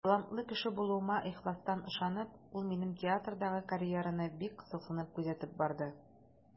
Талантлы кеше булуыма ихластан ышанып, ул минем театрдагы карьераны бик кызыксынып күзәтеп барды.